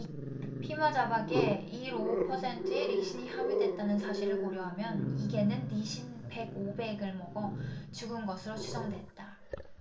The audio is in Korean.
피마자박에 일 오 퍼센트의 리신이 함유됐다는 사실을 고려하면 이 개는 리신 백 오백 을 먹어 죽은 것으로 추정됐다